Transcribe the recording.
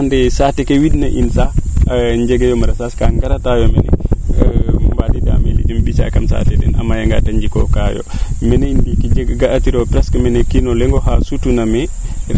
andee saate ke wid na in sax njegee maraichage kaa ngara taayo mene mbaandiinda yo mene legume mbisaa yo kam saate fee a maya nga de njikoo ka yo mene i njeki jeeki ga'a tiro o kiino leŋ oxa sutu na meen